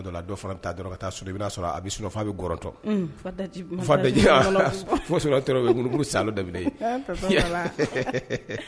Tɔn fa sa